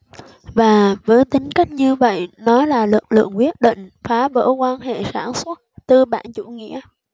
và với tính cách như vậy nó là lực lượng quyết định phá vỡ quan hệ sản xuất tư bản chủ nghĩa